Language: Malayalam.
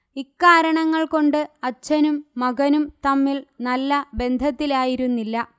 ഇക്കാരണങ്ങൾ കൊണ്ട് അച്ഛനും മകനും തമ്മിൽ നല്ല ബന്ധത്തിലായിരുന്നില്ല